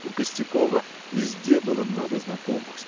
У Костякова везде было много знакомых.